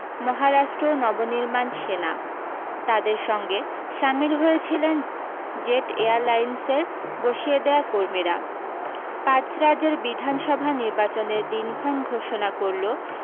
মহারাষ্ট্র নবনির্বাণ সেনা তাদের সঙ্গে সামিল হয়েছিলেন জেট এয়ারলাইন্সের বসিয়ে দেওয়া কর্মীরা পাঁচ রাজ্যের বিধানসভা নির্বাচনের দিনক্ষণ ঘোষণা করল